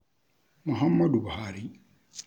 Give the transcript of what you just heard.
Muhammadu Buhari